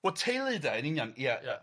wel teulu 'de yn union ia ia.